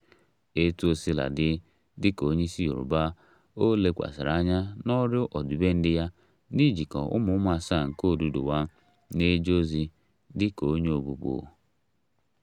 Etuọsinadị, dịka onye isi Yorùbá, o lekwasịrị anya n'ọrụ ọdịbendị ya na ijikọ ụmụ ụmụ asaa nke Odùduwa, na-eje ozi dị ka onye ogbugbo.